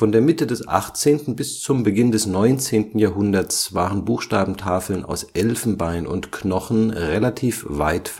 der Mitte des 18. bis zum Beginn des 19. Jahrhunderts waren Buchstabentafeln aus Elfenbein und Knochen relativ weit